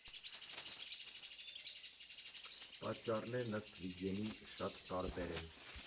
Պատճառներն ըստ Վիգենի՝ շատ տարբեր են.